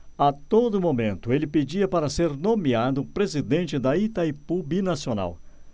a todo momento ele pedia para ser nomeado presidente de itaipu binacional